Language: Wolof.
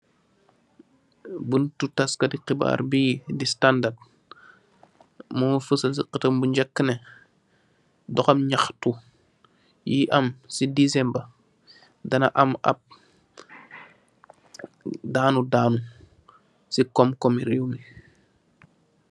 Buntu tass kat xibarr bi di Standard mo fasal ci xatam bu njak neh duxap ñaxtu bi am ca disemba di am ap danu danu ci komkom bi.